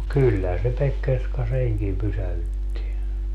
no kyllähän se Pekkerska senkin pysäytti